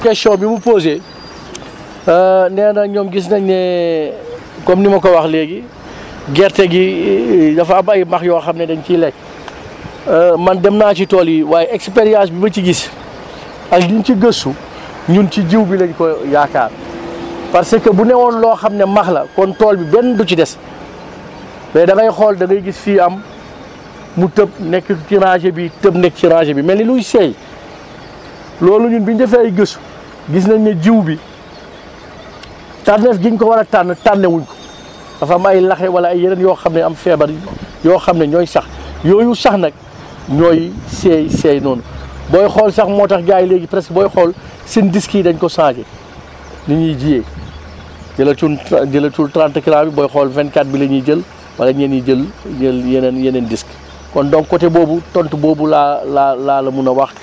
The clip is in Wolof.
question bi mu posée nee na ñoom gis nañ ne comme ni ma ko wax léegi gerte gi dafa am ay max yoo xam ne dañ ciy lekk man dem naa ci tool yi waaye expérience bi ma ci gis ak yiñ ci gëstu ñun ci jiw bi lañ ko yaakaar parce que bu newoon loo xam ne max la kon tool bi benn du ci des mais da ngay xoolda ngay gis fii am mu tëb nekk ci rangée bii tëb nekk ci rangée bii mel ni luy seey loolu ñun bi ñu defee ay gëstu gis nañ ne jiw bi tànneef giñ ko war a tànn tànnee wuñ ko dafa am ay laxe wala ay yeneen yoo xam ne am feebar yoo xam ne ñooy sax yooyu sax nag ñooy seey seey noonu booy xool sax moom moo tax gars yi léegi presque booy xool seen disques yi dañ ko changé ni ñuy jiyee jëlatuñ jëlatuñ 30 * bi booy xool 24 bi la ñuy jël wala ñenn ñi jël jël yeneen yeneen disque kon donc côté boobu tonn boobu laa laa laa laa la mun a a wax